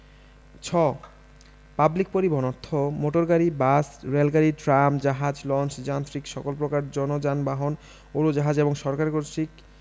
ছ পাবলিক পরিবহণ অর্থ মোটর গাড়ী বাস রেলগাড়ী ট্রাম জাহাজ লঞ্চ যান্ত্রিক সকল প্রকার জন যানবাহন উড়োজাহাজ এবং সরকার কর্তৃক